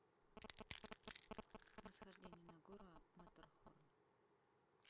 восхождение на гору маттерхорн